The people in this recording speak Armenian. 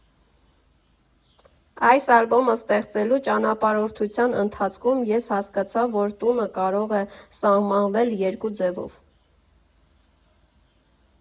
Այս ալբոմը ստեղծելու ճանապարհորդության ընթացքում ես հասկացա, որ տունը կարող է սահմանվել երկու ձևով։